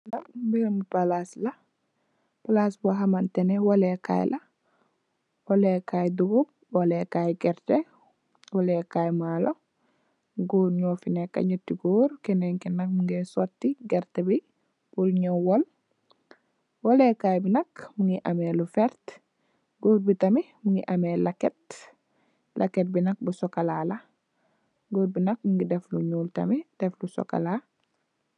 Palas boxamne walekay la souna ak gerte ak malo Goor nofineka njati Goor njuge soti gertebi njawe wall walekay bi nak mugi ame lu wert goor bi tamit mugi ame laket bu socola la goor bi nak mungi def lu njul ak lu socola